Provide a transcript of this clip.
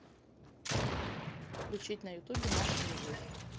включить на ютубе маша и медведь